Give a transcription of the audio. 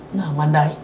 Nka a man'a ye